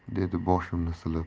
ko'paygur dedi boshimni silab